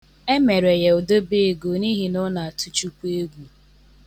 Emere ya odebeego n'ihi na ọ na-atụ Chukwu egwu.